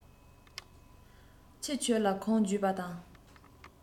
ཁྱི ཁྱོད ལ ཁུངས བརྒྱུད པ དང